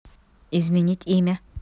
изменить имя